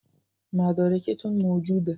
مدارکتون موجوده